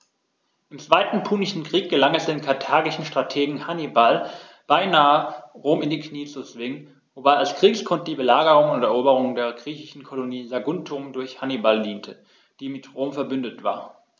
Im Zweiten Punischen Krieg gelang es dem karthagischen Strategen Hannibal beinahe, Rom in die Knie zu zwingen, wobei als Kriegsgrund die Belagerung und Eroberung der griechischen Kolonie Saguntum durch Hannibal diente, die mit Rom „verbündet“ war.